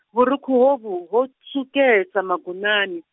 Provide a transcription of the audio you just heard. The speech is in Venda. vhurukhu hovhu, ho tswukesa magonani.